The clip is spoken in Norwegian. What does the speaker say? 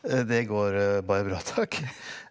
det går bare bra takk .